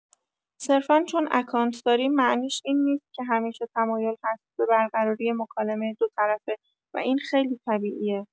صرفا چون اکانت داریم معنیش این نیست که همیشه تمایل هست به برقراری مکالمه دوطرفه و این خیلی طبیعیه.